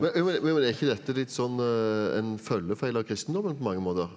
men er ikke dette litt sånn en følgefeil av kristendommen på mange måter?